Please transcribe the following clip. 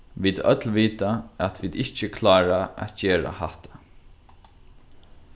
vit øll vita at vit ikki klára at gera hatta